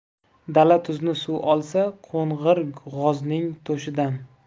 dala tuzni suv olsa qo'ng'ir g'ozning to'shidan